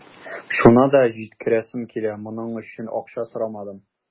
Шуны да җиткерәсем килә: моның өчен акча сорамадым.